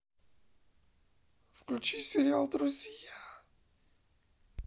включи сериал друзья